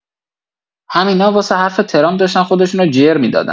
همینا واسه حرف ترامپ داشتن خودشونو جر می‌دادن